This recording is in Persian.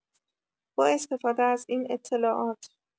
با استفاده از این اطلاعات